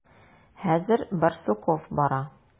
Хәзер Барсуков бара.